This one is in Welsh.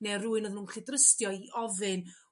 neu rywun o'dda n'w'n gallu drysdio i ofyn